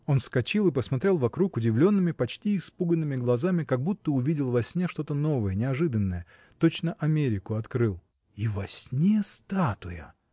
Он вскочил и посмотрел вокруг удивленными, почти испуганными глазами, как будто увидел во сне что-то новое, неожиданное, точно Америку открыл. — И во сне статуя!